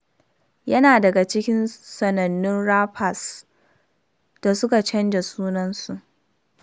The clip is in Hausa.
Yana daga cikin sanannun rappers da suka canza sunansu.